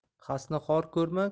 xasni xor ko'rma